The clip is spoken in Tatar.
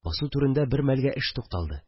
Басу түрендә бер мәлгә эш тукталды